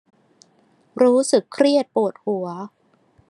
รู้สึกเครียดปวดหัว